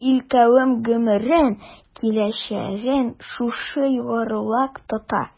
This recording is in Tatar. Ил-кавем гомерен, киләчәген шушы югарылык тота.